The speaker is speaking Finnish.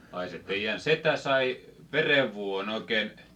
ai se teidän setä sai verenvuodon oikein